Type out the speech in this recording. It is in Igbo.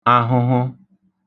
ahụhụ